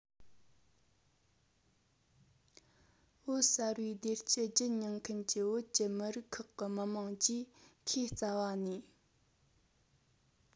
བོད གསར པའི བདེ སྐྱིད རྒྱུད མྱོང མཁན གྱི བོད ཀྱི མི རིགས ཁག གི མི དམངས ཀྱིས ཁས རྩ བ ནས